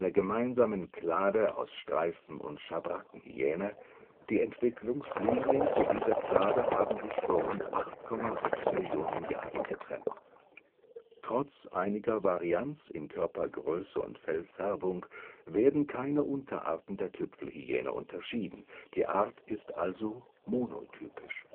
gemeinsamen Klade aus Streifen - und Schabrackenhyäne, die Entwicklungslinien zu dieser Klade haben sich vor rund 8,6 Millionen Jahren getrennt. Trotz einiger Varianz in Körpergröße und Fellfärbung werden keine Unterarten der Tüpfelhyäne unterschieden, die Art ist also monotypisch